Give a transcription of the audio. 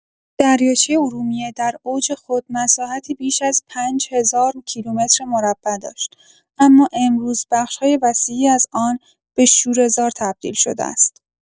دریاچه ارومیه در اوج خود مساحتی بیش از پنج‌هزار کیلومترمربع داشت، اما امروز بخش‌های وسیعی از آن به شوره‌زار تبدیل شده است.